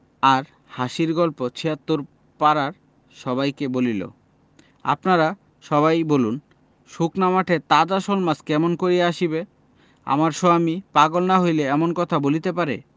আর হাসির গল্প ৭৬ পাড়ার সবাইকে বলিল আপনারা সবাই বলুন শুকনা মাঠে তাজা শোলমাছ কেমন করিয়া আসিবে আমার সোয়ামী পাগল না হইলে এমন কথা বলিতে পারে